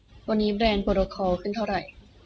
วันนี้แบรนด์โปรโตคอลขึ้นเท่าไหร่